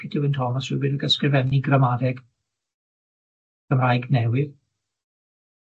Peter Wyn Thomas rywun yn ga'l sgrifennu gramadeg Cymraeg newydd,